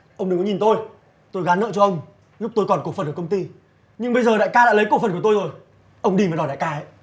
ông đừng có nhìn tôi tôi gán nợ cho ông lúc tôi còn cổ phần ở công ty nhưng bây giờ đại ca đã lấy cổ phần của tôi rồi ông đi mà đòi đại ca ý